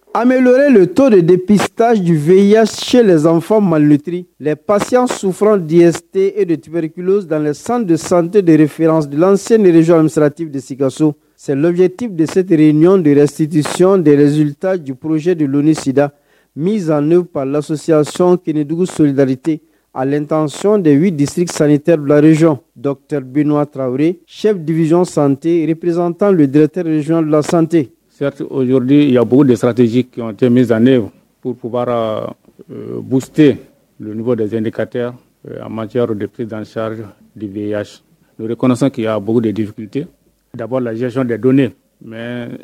Ame re de to de psitajuveya sɛ zfa mali luti la pasi sufuran detee detipri kidre san de sante dee feereran sen rezyɔnmertibi desi ka so roetip desetee deresitecyɔn dere zvtajpurze del nisida miznen pa lassiconkdugu solidrete re 1con de v desi santere rezyɔn dɔte4tarawurre sɛdizyon santee repz tan reterezcyɔn lasantedibugu de sararetesiteznen purpra butte lbɔ deze kate manro de ppdcribi o dekeyaugu depte dabɔ lajɛzcɔn de donnen